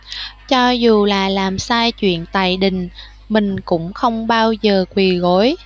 cho dù là làm sai chuyện tày đình mình cũng không bao giờ quỳ gối